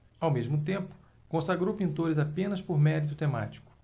ao mesmo tempo consagrou pintores apenas por mérito temático